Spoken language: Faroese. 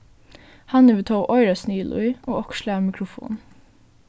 hann hevur tó oyrasnigil í og okkurt slag av mikrofon